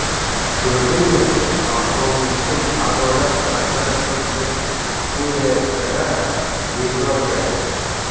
ko'rdingmi ahvolni sen adolat tantana qildi deb o'ylayapsan a bekor gap